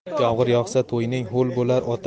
yomg'ir yog'sa to'ning ho'l bo'lar